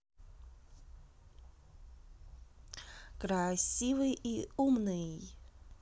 красивый и умный